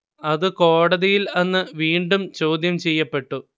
അത് കോടതിയിൽ അന്ന് വീണ്ടും ചോദ്യം ചെയ്യപ്പെട്ടു